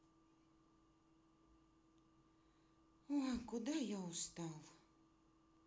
ой куда я устал